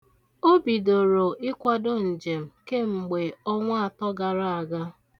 O bidoro ikwado njem kemgbe ọnwa atọ gara aga.